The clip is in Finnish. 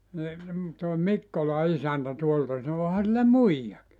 niin tuo Mikkolan isäntä tuolta sanoi onhan sillä muijakin